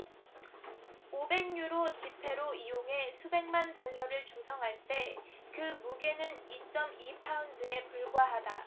오백 유로 지폐로 이용해 수백만 달러를 조성할 때 그 무게는 이 쩜 이 파운드에 불과하다